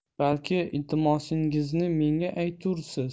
balki iltimosingizni menga aytursiz